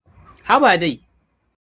haba dai.’’